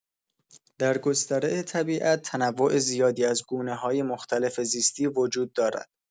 در گستره طبیعت، تنوع زیادی از گونه‌های مختلف زیستی وجود دارد.